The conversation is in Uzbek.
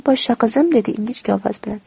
poshsha qizim dedi ingichka ovoz bilan